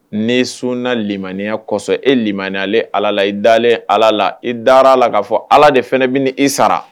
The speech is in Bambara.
Ni sunlimaniya kɔsɔn elimaniya ale ala la i dalenlen ala la i dara la kaa fɔ ala de fana bɛ i sara